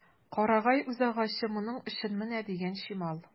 Карагай үзагачы моның өчен менә дигән чимал.